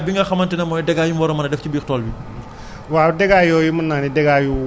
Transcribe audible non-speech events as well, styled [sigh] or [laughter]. loolu lépp mu am solo [breath] léegi nag ñu mën a ñëw ci suñu laaj bi nga xamante ne mooy dégâts yi mu war a mën a def ci biir tool bi